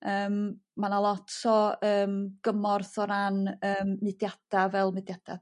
Yym ma' 'na lot o yym gymorth o ran yym mudiada fel Mudiada'